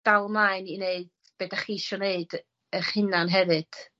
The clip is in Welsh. dal mlaen i neud be' dach chi isio neud yy 'ych hunan hefyd.